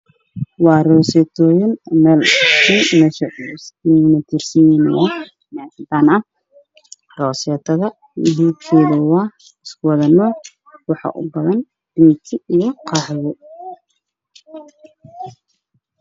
Waa rooseytooyin meel kutiirsan cadaan ah, rooseytooyinka midabkoodu waa isku nuuc waxaa u badan bingi iyo qaxwi.